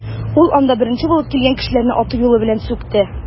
Ул анда беренче булып килгән кешеләрне аты-юлы белән сүкте.